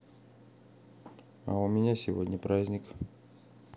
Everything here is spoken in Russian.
а у меня сегодня праздник